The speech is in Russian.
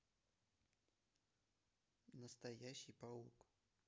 настоящий паук